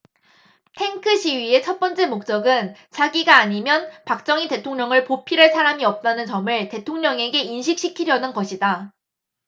탱크 시위의 첫 번째 목적은 자기가 아니면 박정희 대통령을 보필할 사람이 없다는 점을 대통령에게 인식시키려는 것이다